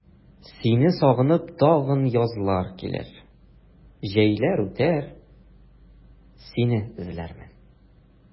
Сине сагынып тагын язлар килер, җәйләр үтәр, сине эзләрмен.